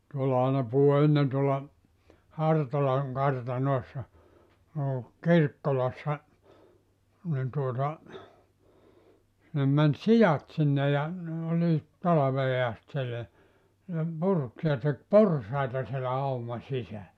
tuolla aina puhui ennen tuolla Hartolan kartanoissa no Kirkkolassa niin tuota sinne meni siat sinne ja ne olivat talveen asti siellä ne purki ja teki porsaita siellä auman sisällä